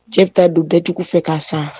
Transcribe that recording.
Cɛ bɛ taa don dajugu fɛ ka san